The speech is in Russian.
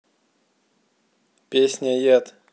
песня яд